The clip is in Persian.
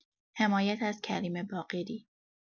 حمایت از کریم باقری